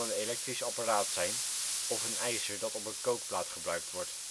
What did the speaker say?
elektrisch apparaat zijn, of een ijzer dat op een kookplaat gebruikt wordt